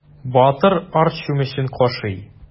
Батыр арт чүмечен кашый.